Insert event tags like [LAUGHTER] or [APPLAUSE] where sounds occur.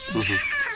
[HESITATION] [HESITATION] [NOISE]